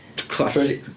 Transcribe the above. Classy.